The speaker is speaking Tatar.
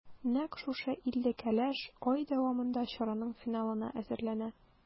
Нәкъ шушы илле кәләш ай дәвамында чараның финалына әзерләнә.